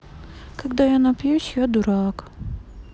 когда я напьюсь я дурак